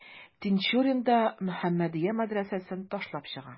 Тинчурин да «Мөхәммәдия» мәдрәсәсен ташлап чыга.